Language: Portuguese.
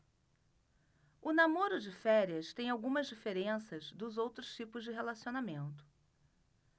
o namoro de férias tem algumas diferenças dos outros tipos de relacionamento